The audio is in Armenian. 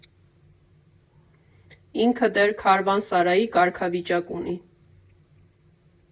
Ինքը դեռ քարվանսարայի կարգավիճակ ունի։